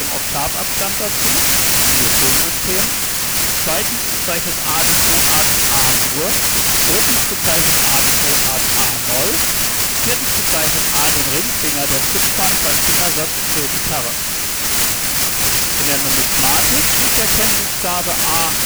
Oktavabstand dazu (siehe Tonsystem). bezeichnet A die Tonart A-Dur, bezeichnet a die Tonart a-Moll. bezeichnet a den Ringfinger der Zupfhand beim Fingersatz für Gitarre in der Numismatik steht der Kennbuchstabe A